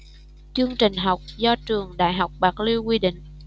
chương trình học do trường đại học bạc liêu quy định